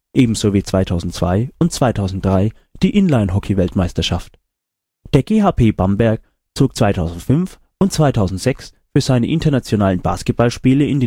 ebenso wie 2002 und 2003 die Inlinehockey-Weltmeisterschaft. Der GHP Bamberg zog 2005 und 2006 für seine internationalen Basketballspiele